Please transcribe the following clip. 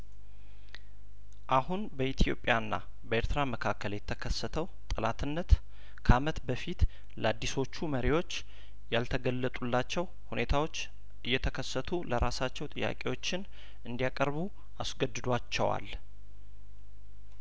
አሁን በኢትዮጵያ ና በኤርትራ መካከል የተከሰተው ጠላትነት ከአመት በፊት ለአዲሶቹ መሪዎች ያልተገለጡላቸው ሁኔታዎች እየተከሰቱ ለራሳቸው ጥያቄዎችን እንዲ ያቀርቡ አስገድዷቸዋል